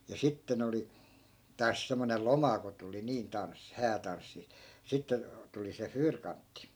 ja sitten oli taas semmoinen loma kun tuli niin tanssi häätanssi sitten tuli se fyyrkantti